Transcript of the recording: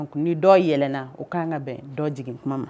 Ni dɔ yɛlɛna o k' kan ka bɛn dɔ jigin kuma ma